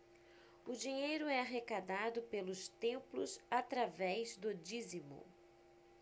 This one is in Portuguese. o dinheiro é arrecadado pelos templos através do dízimo